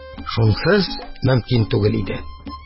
Шунсыз мөмкин түгел иде.